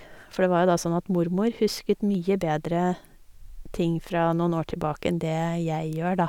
For det var jo da sånn at mormor husket mye bedre ting fra noen år tilbake enn det jeg gjør, da.